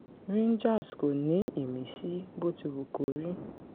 Rangers kòní ìmísí, bótiwùkórí.